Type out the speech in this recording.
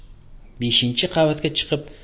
beshinchi qavatga chikib